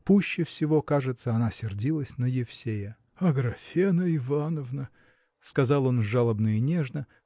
Пуще всего, кажется, она сердилась на Евсея. – Аграфена Ивановна!. – сказал он жалобно и нежно